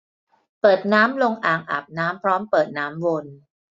เปิดน้ำลงอ่างอาบน้ำพร้อมเปิดน้ำวน